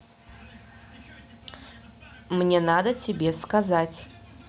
мне надо тебе сказать